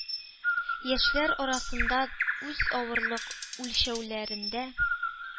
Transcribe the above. Яшьләр арасында үз авырлык үлчәүләрендә